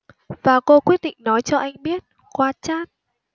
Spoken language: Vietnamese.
và cô quyết định nói cho anh biết qua chát